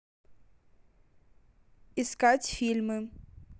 искать фильмы